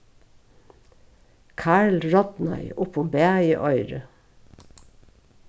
karl rodnaði upp um bæði oyru